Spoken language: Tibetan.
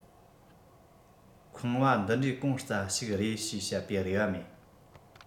ཁང བ འདི འདྲའི གོང རྩ ཞིག རེད ཞེས བཤད པའི རེ བ མེད